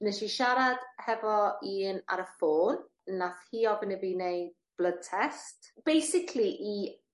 Wnes i siarad hefo un ar y ffôn, nath hi ofyn i fi neu' blood test, basically i